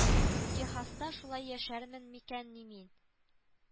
Техаста шулай яшәрмен микәнни мин